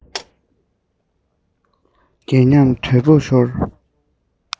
རྒས ཉམས དོད པོ ཤར